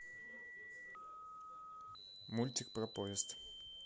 мультик про поезд